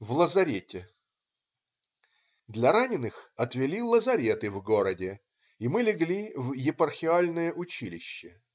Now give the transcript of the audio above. В лазарете Для раненых отвели лазареты в городе, и мы легли в Епархиальное училище.